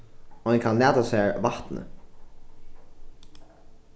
ein kann lata sær vatnið